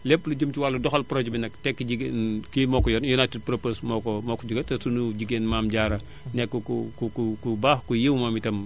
lépp lu jëm ci wàllu doxal projet bi nag Tekki jigéen kii moo ko yor United Propos moo ko moo ko yore te suñu jigéen Mame Diarra nekk ku ku ku baax ku yiiw moom itam